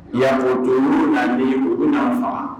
u bɛna n faga yan.